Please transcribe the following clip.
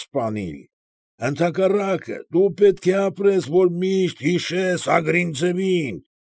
Սպանիլ։ Ընդհակառակը, դու պետք է ապրես, որ միշտ հիշես Ագրինցևին։